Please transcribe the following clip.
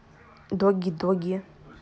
doggy doggy